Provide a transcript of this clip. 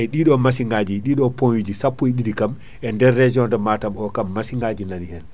eyyi ɗiɗo massiŋaji ɗiɗo point ji sappo e ɗiɗi kam e nder région de Matam o kam massiŋaji nani hen